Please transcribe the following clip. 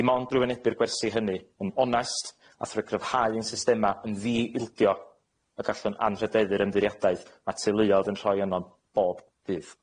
Dim ond drwy wynebu'r gwersi hynny yn onest a thrwy gryfhau'n systema yn ddi-ildio y gallwn anrhydeddu'r ymddiriedaeth ma' teuluodd yn rhoi ynom bob bydd.